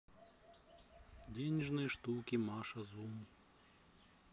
денежные штуки маша зум